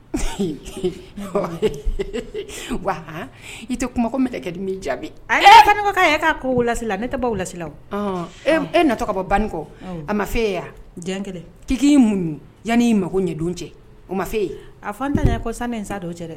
Wa i tɛ kuma bɛ kɛ dijabaga'a ko lalasila ne tɛ lasila e na tɔgɔ bɔ banin kɔ a ma fɛkɛ k mun yanani y'i mako ɲɛdon cɛ o ma fɛ a fa ta ko sani n sa dɔw cɛ dɛ